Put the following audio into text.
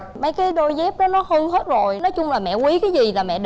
mấy cây đôi dép đó nó hư hết rồi nói chung là mẹ quý cái gì là mẹ